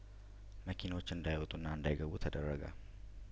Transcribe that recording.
መኪኖች እንዳይወጡ እና እንዳይገቡ ተደረገ